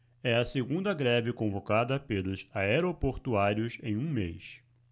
é a segunda greve convocada pelos aeroportuários em um mês